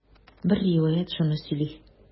Бер риваять шуны сөйли.